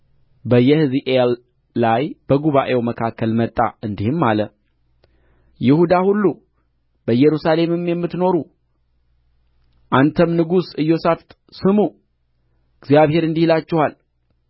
በየሕዚኤል ላይ በጉባኤው መካከል መጣ እንዲህም አለ ይሁዳ ሁሉ በኢየሩሳሌምም የምትኖሩ አንተም ንጉሡ ኢዮሣፍጥ ስሙ እግዚአብሔር እንዲህ ይላችኋል